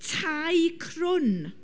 Tai crwn.